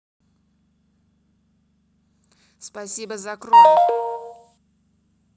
спасибо закрой